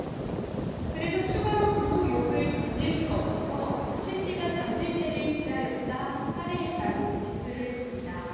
그래서 추가로 부모 욕을 견딜 수 없어서 최 씨가 잠들 때를 기다렸다 살해했다고 진술을 했습니다